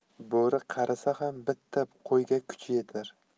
bo'ri qarisa ham bitta qo'yga kuchi yetar